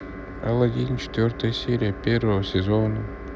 алладин четвертая серия первого сезона